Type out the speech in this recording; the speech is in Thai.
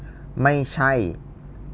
ไม่ใช่